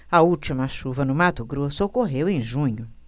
a última chuva no mato grosso ocorreu em junho